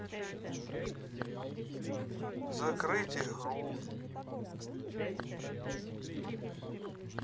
закрыть игру